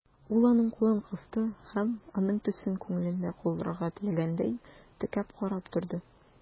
Ул аның кулын кысты һәм, аның төсен күңелендә калдырырга теләгәндәй, текәп карап торды.